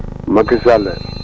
Macky Sall